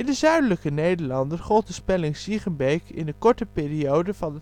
Zuidelijke Nederlanden gold de spelling-Siegenbeek in de korte periode van